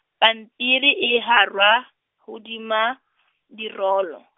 pampiri e hara, hodima , dirolo.